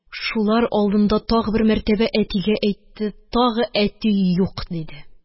Шулар алдында тагы бер мәртәбә әтигә әйтте, тагы әти: «Юк!» – диде